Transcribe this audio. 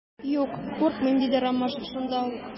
Юк, курыкмыйм, - диде Ромашов шунда ук.